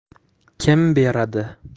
kim beradi